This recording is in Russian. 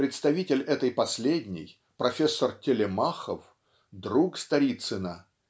представитель этой последней профессор Телемахов друг Сторицына